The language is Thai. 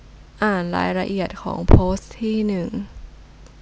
อ่านรายละเอียดของโพสต์ที่หนึ่ง